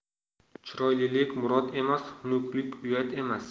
chiroylilik murod emas xunuklik uyat emas